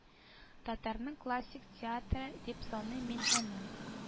Татарның классик театры дип саныйм мин аны